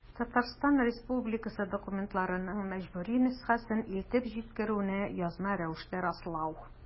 Татарстан Республикасы документларының мәҗбүри нөсхәсен илтеп җиткерүне язма рәвештә раслау.